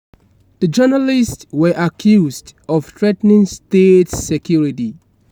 The journalists were accused of threatening state security